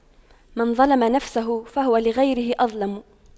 من ظَلَمَ نفسه فهو لغيره أظلم